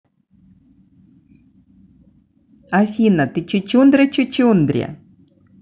афина ты чучундра чучундре